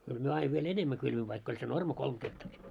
kyllä me aina vielä enemmän kylvimme vaikka oli se normi kolme hehtaaria